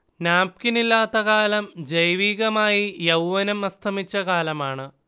നാപ്കിനില്ലാത്ത കാലം ജൈവികമായി യൗവ്വനം അസ്തമിച്ച കാലമാണ്